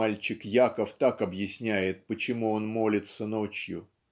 мальчик Яков так объясняет почему он молится ночью